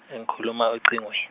ngikhuluma ecingwe-.